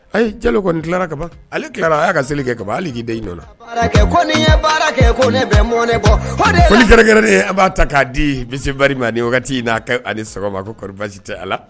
Ayi jeli kɔni tilara ka alera y'a ka seli kɛ ka hali den ɲɔgɔn baarakɛ ko ne bɛ mɔnkɛkɛ de b'a ta k'a di bisimilaba ma ni wagati n'a ma ko tɛ ala